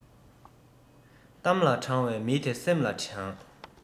གཏམ ལ དྲང བའི མི དེ སེམས ལ དྲང